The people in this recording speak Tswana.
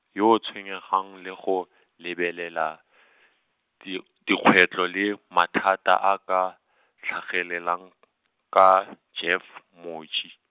yo o tshwenyegang le go, lebelela , di- dikgwetlho le mathata a ka, tlhagelelang , ka Jeff Moji.